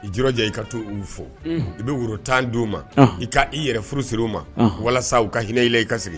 I jija i ka to uu fo i bɛ woro tan di' u ma i ka i yɛrɛ furu siri u ma walasa ka hinɛ i y i ka kasi sigi